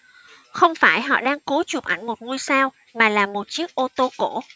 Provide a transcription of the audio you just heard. không phải họ đang cố chụp ảnh một ngôi sao mà là một chiếc ô tô cổ